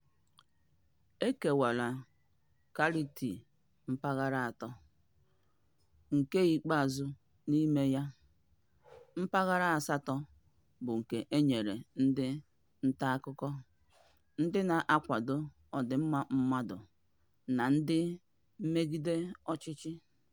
E kewara Kality mpaghara asatọ, nke ikpeazụ n'ime ya - Mpaghara Asatọ - bụ nke e nyefere ndị ntaakụkọ, ndị na-akwado ọdịmma mmadụ na ndị mmegide ọchịchị.